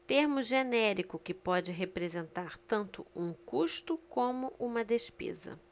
termo genérico que pode representar tanto um custo como uma despesa